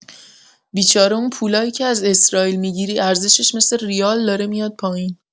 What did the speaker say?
بیچاره اون پولایی که از اسرائیل می‌گیری ارزشش مثل ریال داره میاد پائین